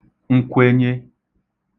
nkwenye